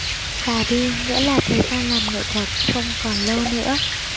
già đi nghĩa là thời gian làm nghệ thuật không còn lâu nữa